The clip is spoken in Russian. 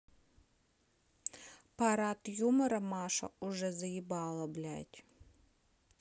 парад юмора маша уже заебала блядь